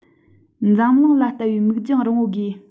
འཛམ གླིང ལ ལྟ བའི མིག རྒྱང རིང པོ དགོས